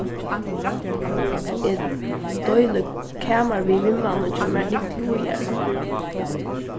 eg deili kamar við vinmannin hjá mær inntil víðari